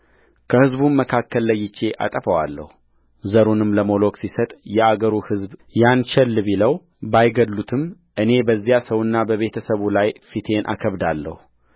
ከሕዝቡም መካከል ለይቼ አጠፋዋለሁዘሩንም ለሞሎክ ሲሰጥ የአገሩ ሕዝብ ያን ቸል ቢለው ባይገድሉትምእኔ በዚያ ሰውና በቤተ ሰቡ ላይ ፊቴን አከብዳለሁ